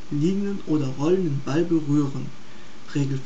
liegenden oder rollenden Ball berühren (Regel